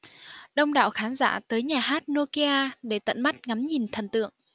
đông đảo khán giả tới nhà hát nokia để tận mắt ngắm nhìn thần tượng